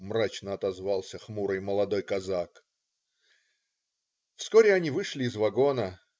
"- мрачно отозвался хмурый молодой казак. Вскоре они вышли из вагона.